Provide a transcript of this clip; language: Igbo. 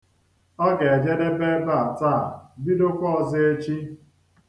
Ọ ga-ejedebe ebe a taa, bidokwa ọzọ echi.